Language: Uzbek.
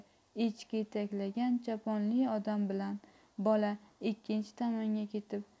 echki yetaklagan choponli odam bilan bola ikkinchi tomonga ketib